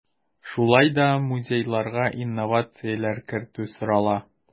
Шулай да музейларга инновацияләр кертү сорала.